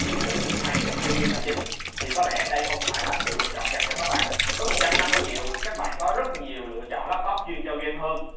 chỉ sử dụng máy để chơi game là chính thì có lẽ đây không phải là sự lựa chọn dành cho các bạn với triệu các bạn có rất nhiều lựa chọn laptop chuyên cho game hơn